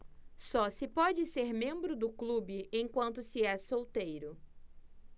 só se pode ser membro do clube enquanto se é solteiro